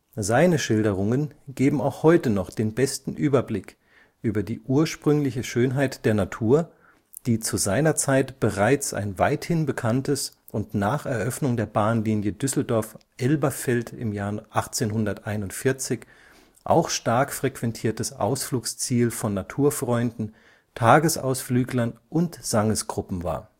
Seine Schilderungen geben auch heute noch den besten Überblick über die ursprüngliche Schönheit der Natur, die zu seiner Zeit bereits ein weithin bekanntes und nach Eröffnung der Bahnlinie Düsseldorf-Elberfeld 1841 auch stark frequentiertes Ausflugsziel von Naturfreunden, Tagesausflüglern und Sangesgruppen war